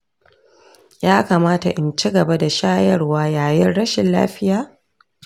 ya kamata in ci gaba da shayarwa yayin rashin lafiya?